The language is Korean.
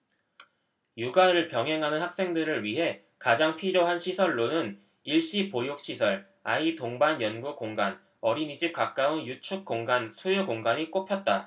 육아를 병행하는 학생들을 위해 가장 필요한 시설로는 일시 보육시설 아이 동반 연구 공간 어린이집 가까운 유축공간 수유공간이 꼽혔다